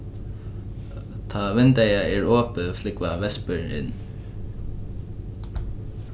tá vindeygað er opið flúgva vespur inn